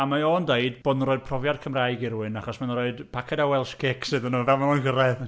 A mae o'n deud bod nhw'n rhoi profiad Cymraeg i rywun, achos ma' nhw'n rhoid paced o Welsh Cakes iddyn nhw fel maen nhw'n cyrraedd!